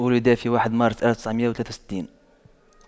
ولد في واحد مارس ألف وتسعمئة وثلاثة وستين